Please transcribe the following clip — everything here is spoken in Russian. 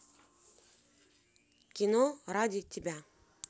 кино ради тебя